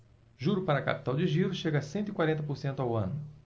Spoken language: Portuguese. juro para capital de giro chega a cento e quarenta por cento ao ano